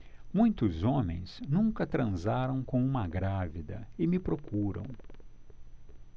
muitos homens nunca transaram com uma grávida e me procuram